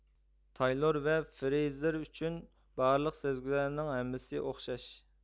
تايلور ۋە فرېيزېر ئۈچۈن بارلىق سەزگۈلەرنىڭ ھەممىسى ئوخشاش